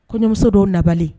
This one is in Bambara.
Kɔɲɔ kɔɲɔmuso dɔw nabali